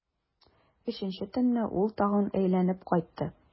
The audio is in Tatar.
Өченче төнне ул тагын әйләнеп кайтты.